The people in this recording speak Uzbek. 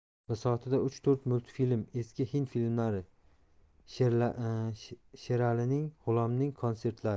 bisotida uch to'rt multfilm eski hind filmlari sheralining g'ulomning kontsertlari